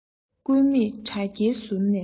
སྐུད མེད དྲ རྒྱའི ཟུར ནས